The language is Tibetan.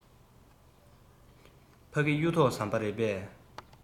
ཕ གི གཡུ ཐོག ཟམ པ རེད པས